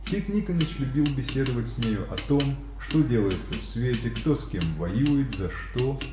Тит Никоныч любил беседовать с нею о том, что делается в свете, кто с кем воюет, за что